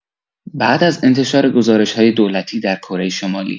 بعد از انتشار گزارش‌های دولتی در کره‌شمالی